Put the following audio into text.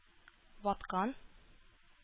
Ваткан